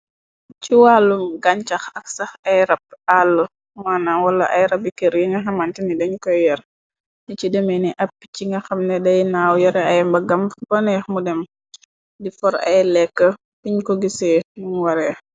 Ci wàllum ganchax ak sax ay rab àllu mannam wala ay rabi keer yi nga xamante ni dañu koy yor. yi ci demee ni ay pichi nga xamne deynaaw yore ay mbagam fukoneex mu dem di for ay lekk biñ ko gisee num waree.